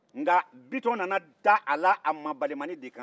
n ga bitɔn nana d'a la a ma balimani de kan